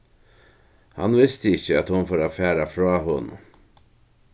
hann visti ikki at hon fór at fara frá honum